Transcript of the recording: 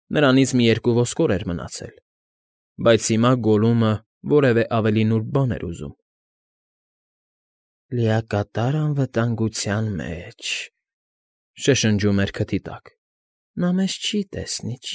Նրանից մի երկու ոսկոր էր մնացել, բայց հիմա Գոլլումը որևէ ավելի նուրբ բան էր ուզում։ ֊ Լիակատար անվտանգության մեջ֊ջ֊ջ,֊ շշնջում էր քթի տակ։֊ Նա մեզ֊զ֊զ չի տես֊ս֊սնի,